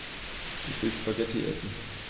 Ich will Spaghetti essen.